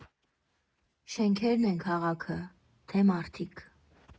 Շենքերն ե՞ն քաղաքը, թե՞ մարդիկ։